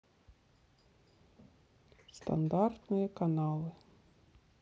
стандартные каналы